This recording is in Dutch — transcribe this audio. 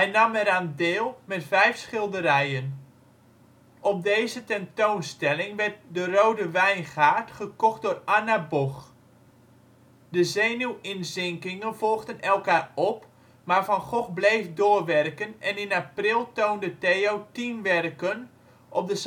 nam eraan deel met vijf schilderijen. Op deze tentoonstelling werd de " De rode wijngaard " gekocht door Anna Boch. De zenuwinzinkingen volgden elkaar op, maar Van Gogh bleef doorwerken en in april toonde Theo tien werken op de